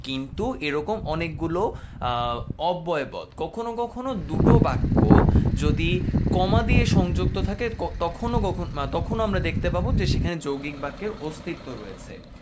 কিন্তু এরকম অনেকগুলো অব্যয় পদ কখনো কখনো দুটো বাক্য যদি কমা দিয়ে সংযুক্ত থাকে তখনও আমরা দেখতে পাবো যে সেখানে যৌগিক বাক্যের অস্তিত্ব রয়েছে